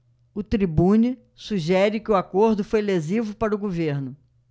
o tribune sugere que o acordo foi lesivo para o governo